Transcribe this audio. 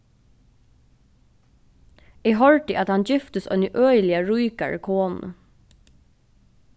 eg hoyrdi at hann giftist eini øgiliga ríkari konu